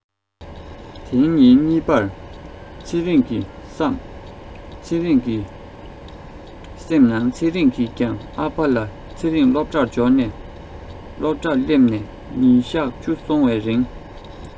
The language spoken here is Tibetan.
དེའི ཉིན གཉིས པར ཚེ རིང བསམ ཚེ རང གི སེམས ནང ཚེ རིང གིས ཀྱང ཨ ཕ ལ ཚེ རིང སློབ གྲྭར འབྱོར ནས སློབ གྲྭར སླེབས ནས ཉིན གཞག བཅུ སོང བའི རིང